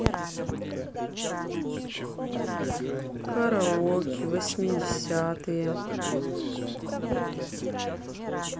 караоке восьмидесятые